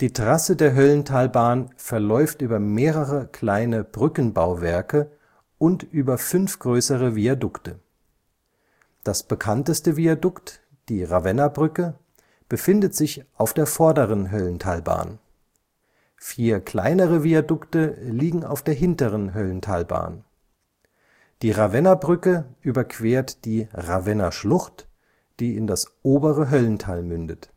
Trasse der Höllentalbahn verläuft über mehrere kleine Brückenbauwerke und über fünf größere Viadukte. Das bekannteste Viadukt, die Ravennabrücke, befindet sich auf der Vorderen Höllentalbahn. Vier kleinere Viadukte liegen auf der Hinteren Höllentalbahn. Die Ravennabrücke überquert die Ravennaschlucht, die in das obere Höllental mündet